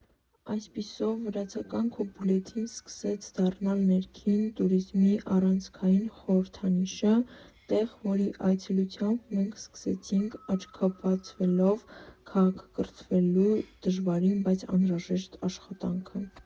Այսպիսով վրացական Քոբուլեթին սկսեց դառնալ ներքին տուրիզմի առանցքային խորհրդանիշը, տեղ, որի այցելությամբ մենք սկսեցինք աչքաբացվելով քաղաքակրթվելու դժվարին, բայց անհրաժեշտ աշխատանքը։